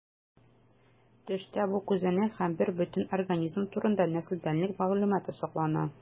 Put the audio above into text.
Төштә бу күзәнәк һәм бербөтен организм турында нәселдәнлек мәгълүматы саклана.